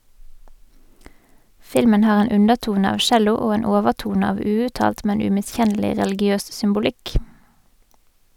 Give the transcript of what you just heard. Filmen har en undertone av cello og en overtone av uuttalt, men umiskjennelig religiøs symbolikk.